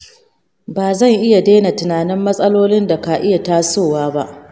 ba zan iya daina tunanin matsalolin da ka iya tasowa ba.